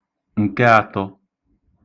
ǹke ātọ̄